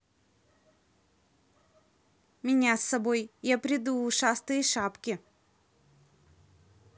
меня с собой я приду ушастые шапки